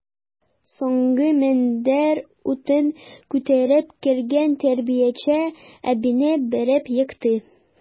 Соңгы мендәр утын күтәреп кергән тәрбияче әбине бәреп екты.